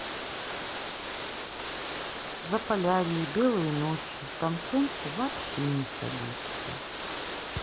заполярье белые ночи там солнце вообще не садится